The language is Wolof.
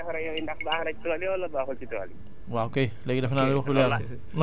ñun ñi nga xam ne dañoo am ay jur di defar neefere yooyu ndax baax na si tool yi wala baaxul ci tool yi